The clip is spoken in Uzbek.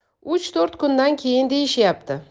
uch to'rt kundan keyin deyishyapti